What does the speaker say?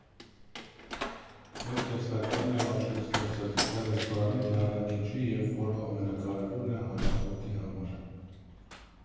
Մեր տեսլականն է՝ արժեք ստեղծել թե՛ ռեստորանի, թե՛ առաքիչի և, որ ամենակարևորն է, հաճախորդի համար։